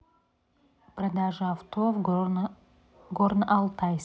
продажа авто в горно алтайске